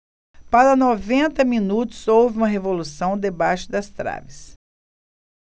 para noventa minutos houve uma revolução debaixo das traves